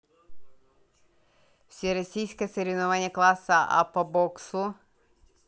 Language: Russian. всероссийское соревнование класса а по боксу